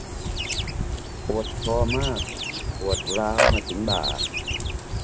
ปวดคอมากปวดร้าวมาถึงบ่า